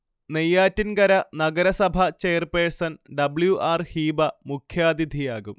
നെയ്യാറ്റിൻകര നഗരസഭ chairperson W R Heeba മുഖ്യാതിഥിയാകും